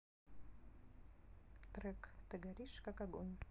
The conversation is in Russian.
трек ты горишь как огонь